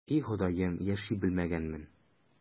И, Ходаем, яши белмәгәнмен...